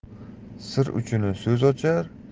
sir uchini so'z ochar